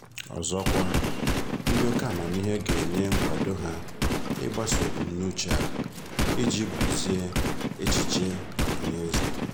Ọzọkwa, ndị oke amamiihe ga-enye nkwado ha ịgbaso ebumnuche a, iji gbazie echiche ọhanaeze.